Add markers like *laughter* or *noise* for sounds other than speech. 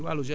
*hesitation* *hesitation*